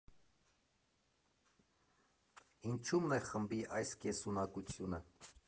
Ինչու՞մն է խմբի այս կենսունակությունը։